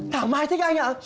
thảo mai thích anh ạ